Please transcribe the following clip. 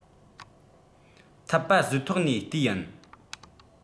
ཐུབ པ བཟོས ཐོག ནས ལྟས ཡིན